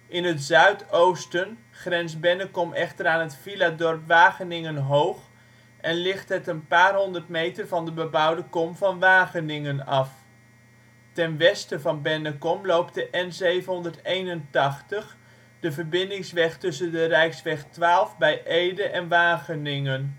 In het zuidoosten grenst Bennekom echter aan het villadorp Wageningen-Hoog en ligt het een paar honderd meter van de bebouwde kom van Wageningen af. Ten westen van Bennekom loopt de N781, de verbindingsweg tussen de Rijksweg 12 bij Ede en Wageningen